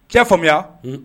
Cɛ faamuya